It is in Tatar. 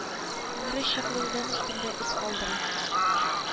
Бүре чыклы үлән өстендә эз калдыра